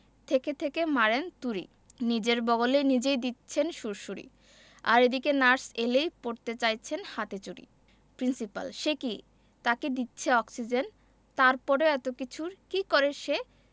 থেকে থেকে মারেন তুড়ি নিজের বগলে নিজেই দিচ্ছেন সুড়সুড়ি আর এদিকে নার্স এলেই পরতে চাইছেন হাতে চুড়ি প্রিন্সিপাল সে কি তাকে দিচ্ছে অক্সিজেন তারপরেও এত কিছুর কি করে সে